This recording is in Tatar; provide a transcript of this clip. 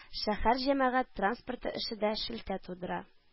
Шәһәр җәмәгать транспорты эше дә шелтә тудыра